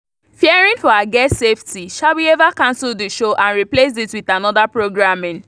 Fearing for her guests’ safety, Shabuyeva cancelled the show and replaced it with another programming.